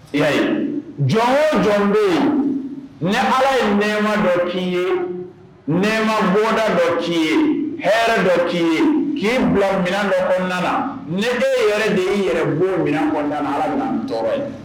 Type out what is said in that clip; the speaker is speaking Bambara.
Ya jɔn o jɔn bɛ yan ne ala ye nɛma dɔ k'i ye n ma bɔda dɔ k'i ye hɛrɛ dɔ k'i ye' bila mina dɔ o ne den ye yɛrɛ de y' yɛrɛ bɔ minaɔn ala min tɔɔrɔ ye